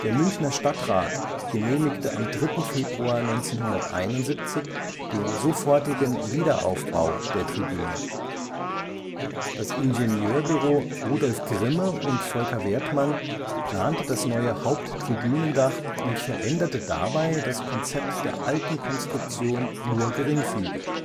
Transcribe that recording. Münchner Stadtrat genehmigte am 3. Februar 1971 den sofortigen Wiederaufbau der Tribüne. Das Ingenieurbüro Rudolf Grimme und Volker Wertmann plante das neue Haupttribünendach und veränderte dabei das Konzept der alten Konstruktion nur geringfügig